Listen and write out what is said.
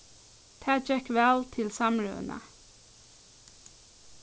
tað gekk væl til samrøðuna